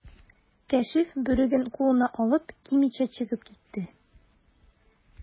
Кәшиф, бүреген кулына алып, кимичә чыгып китте.